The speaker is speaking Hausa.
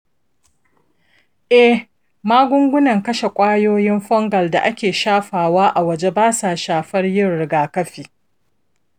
eh, magungunan kashe ƙwayoyin fungal da ake shafawa a waje ba sa shafar yin rigakafi.